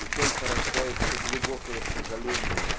и только рождается глубокое сожаление